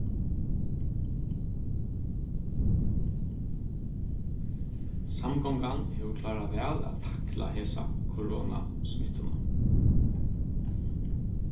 samgongan hevur klárað væl at takkla hesa koronasmittuna